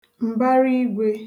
m̀baraigwē